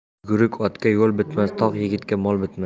yuguruk otga yol bitmas toq yigitga mol bitmas